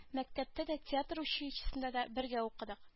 Мәктәптә дә театр училищесында да бергә укыдык